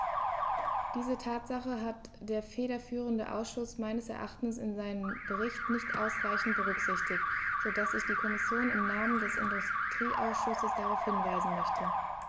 Diese Tatsache hat der federführende Ausschuss meines Erachtens in seinem Bericht nicht ausreichend berücksichtigt, so dass ich die Kommission im Namen des Industrieausschusses darauf hinweisen möchte.